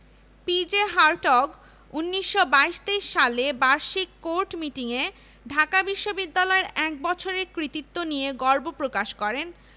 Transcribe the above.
Nathan committee বিশ্ববিদ্যালয়ের জন্য বাৎসরিক ব্যয় ১৩ লক্ষ টাকা নির্ধারণ করলেও বাংলার শিক্ষামন্ত্রী স্যার প্রভাস মিত্র এর থেকে পাঁচ লক্ষ টাকা কমিয়ে দেন